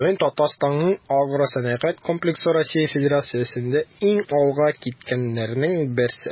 Бүген Татарстанның агросәнәгать комплексы Россия Федерациясендә иң алга киткәннәрнең берсе.